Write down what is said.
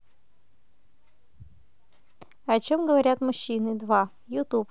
о чем говорят мужчины два ютуб